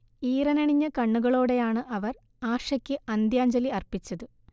ഈറനണിഞ്ഞ കണ്ണുകളോടെയാണ് അവർ ആഷയ്ക്ക് അന്ത്യാജ്ഞലി അർപ്പിച്ചത്